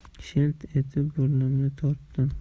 shilt etib burnimni tortdim